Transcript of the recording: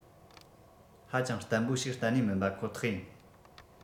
ཧ ཅང བརྟན པོ ཞིག གཏན ནས མིན པ ཁོ ཐག ཡིན